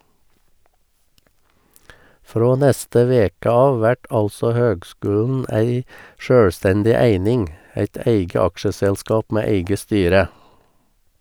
Frå neste veke av vert altså høgskulen ei sjølvstendig eining , eit eige aksjeselskap med eige styre.